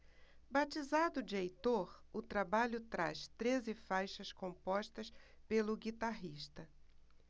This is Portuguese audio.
batizado de heitor o trabalho traz treze faixas compostas pelo guitarrista